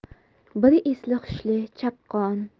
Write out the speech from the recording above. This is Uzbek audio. biri esli hushli chaqqon